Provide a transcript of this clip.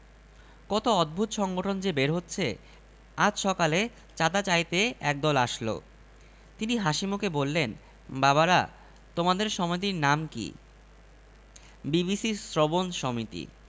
তাঁর নিবাচনী উপদেষ্টা পরিষদের প্রধান মুখলেস সাহেব বসে আছেন অতি বিচক্ষণ ব্যক্তি সিদ্দিক সাহেবকে ভাজিয়ে ভাজিয়ে ইলেকশনে দাঁড় করানোর বুদ্ধিও তাঁর